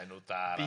Enw da arall.